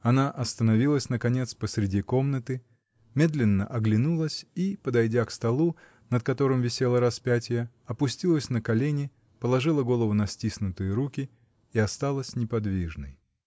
Она остановилась, наконец, посреди комнаты, медленно оглянулась и, подойдя к столу, над которым висело распятие, опустилась на колени, положила голову на стиснутые руки и осталась неподвижной.